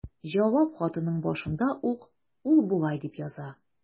Җавап хатының башында ук ул болай дип яза.